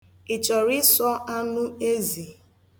Ị chọrọ ịsọ anụ ezi?